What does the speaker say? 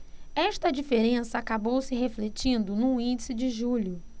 esta diferença acabou se refletindo no índice de julho